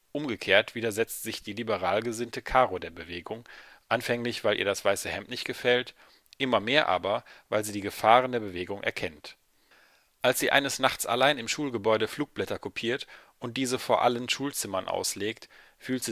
Umgekehrt widersetzt sich die liberal gesinnte Karo der Bewegung, anfänglich, weil ihr das weiße Hemd nicht gefällt, immer mehr aber, weil sie die Gefahren der Bewegung erkennt. Als sie eines Nachts allein im Schulgebäude Flugblätter kopiert und diese vor allen Schulzimmern auslegt, fühlt